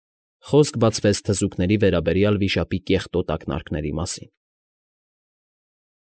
Խոսք բացվեց թզուկների վերաբերյալ վիշապի կեղտոտ ակնարկների մասին։